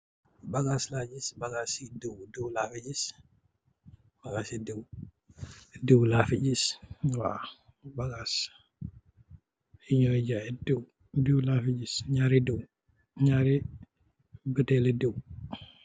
Bagaas la gis , bagaasi diw , diw la fi gis. Ñaari butèèl li diw yi ñoy jaay.